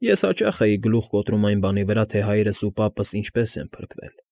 Ես հաճախ էի գլուխ կոտրում այն բանի վրա, թե հայրս ու պապս ինչպես են փրկվել։